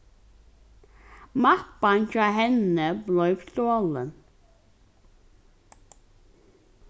mappan hjá henni bleiv stolin